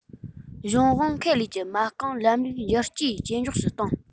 གཞུང དབང ཁེ ལས ཀྱི མ རྐང ལམ ལུགས བསྒྱུར བཅོས ཇེ མགྱོགས སུ བཏང